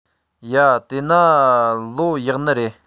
ཡ དེ ན ལོ ཡག ནི རེད